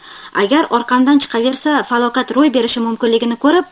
agar orqamdan chiqaversa falokat ro'y berishi mumkinligini ko'rib